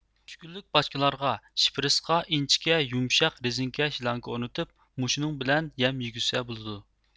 ئۈچ كۈنلۈك باچكىلارغا شپىرىسقا ئىنچىكە يۇمشاق رېزىنكە شلانكا ئورنىتىپ مۇشۇنىڭ بىلەن يەم يېگۈزسە بولىدۇ